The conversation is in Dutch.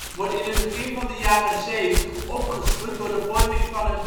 wordt in het begin van de jaren zeventig opgeschud door de vorming van een meerderheidscollege